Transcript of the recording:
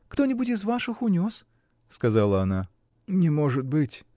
Кто-нибудь из ваших унес, — сказала она. — Не может быть.